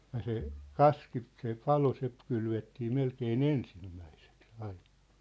ja se kaski se palo se kylvettiin melkein ensimmäiseksi aina